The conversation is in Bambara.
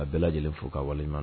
A bɛɛ lajɛlen fo ka walima